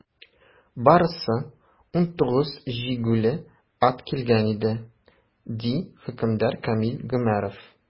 Барысы 19 җигүле ат килгән иде, - ди хөкемдар Камил Гомәров.